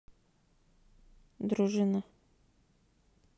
дружина